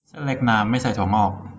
เส้นเล็กน้ำไม่ใส่ถั่วงอก